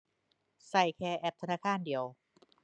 ใช้แค่แอปธนาคารเดียว